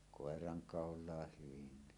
koirankaulaan hyvinkin